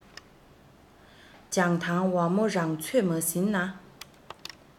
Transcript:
བྱང ཐང ཝ མོ རང ཚོད མ ཟིན ན